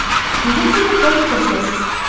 nega kulni polga tashlaysiz